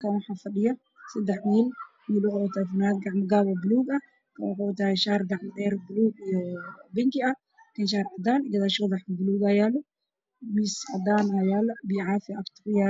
Halkan waxa fadhiyo sidax wiil midwuxuu wataa fananad gacmagaab ah obulug ah mid wuxu wata shaar gacmo dheer ah balu iyo binkiah iyosharcadan gadashod wax ba baluggayaalo miscadanayaalo biyo cafiaya agtakayaalo